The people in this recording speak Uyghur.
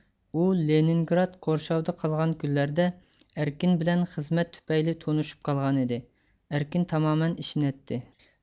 ئۇ لېنىنگراد قورشاۋدا قالغان كۈنلەردە ئەركىن بىلەن خىزمەت تۈپەيلى تونۇشۇپ قالغانىدى ئەركىن تامامەن ئىشىنەتتى